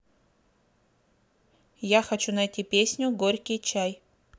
я хочу найти песню горький чай